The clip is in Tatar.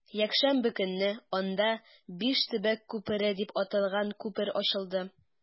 Якшәмбе көнне анда “Биш төбәк күпере” дип аталган күпер ачылды.